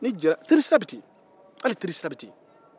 hali terisira bɛ ten